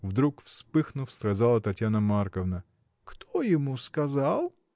— вдруг, вспыхнув, сказала Татьяна Марковна. — Кто ему сказал?